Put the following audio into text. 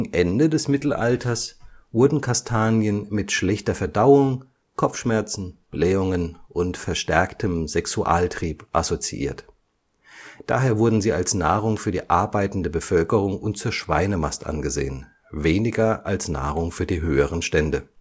Ende des Mittelalters wurden Kastanien mit schlechter Verdauung, Kopfschmerzen, Blähungen und verstärktem Sexualtrieb assoziiert. Daher wurden sie als Nahrung für die arbeitende Bevölkerung und zur Schweinemast angesehen, weniger als Nahrung für die höheren Stände